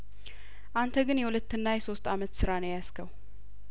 አንተ ግን የሁለትና የሶስት አመት ስራ ነው የያዝከው